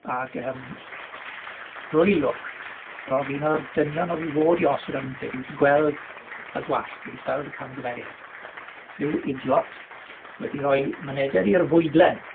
ag yym drwy lwc, ro'dd un o'r dynion oedd i fod i osod ar fi'n credu, wedi gweld y gwall, wedi gweld y camgymeriad, rhyw idiot wedi rhoi mynediad i'r fwydlen.